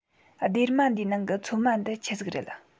སྡེར མ འདིའི ནང གི ཚོད མ འདི ཆི ཟིག རེད